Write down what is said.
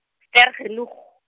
Vergenoeg.